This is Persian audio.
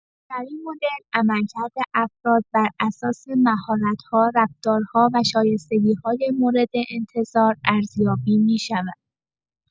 در این مدل، عملکرد افراد بر اساس مهارت‌ها، رفتارها و شایستگی‌های مورد انتظار ارزیابی می‌شود؛